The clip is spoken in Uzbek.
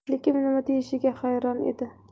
lekin nima deyishga hayron edi